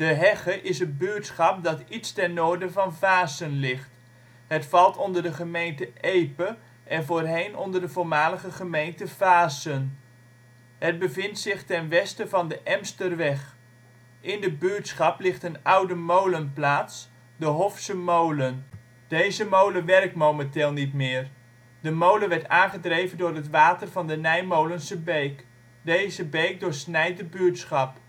Hegge is een buurtschap dat iets ten noorden van Vaassen ligt. Het valt onder de gemeente Epe en voorheen onder de voormalige gemeente Vaassen. Het bevindt zich ten westen van de Emsterweg. In de buurtschap ligt een oude molenplaats, de Hofsemolen. Deze molen werkt momenteel niet meer. De molen werd aangedreven door het water van de Nijmolensebeek. Deze beek doorsnijdt de buurtschap